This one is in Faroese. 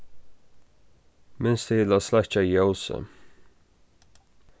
minst til at sløkkja ljósið